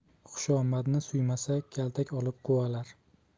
xushomadni suymasa kaltak olib quvarlar